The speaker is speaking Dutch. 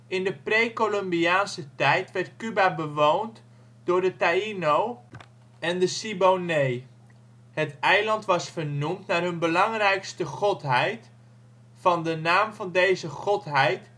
In de Precolumbiaanse tijd werd Cuba bewoond door de Taíno en de Ciboney. Het eiland was vernoemd naar hun belangrijkste godheid, van de naam van deze godheid